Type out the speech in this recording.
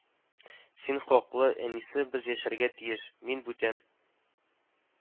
Син хаклы, әнисе, без яшәргә тиеш, мин бүтән